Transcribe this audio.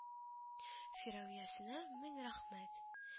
Фирәвиясенә мең рәхмәт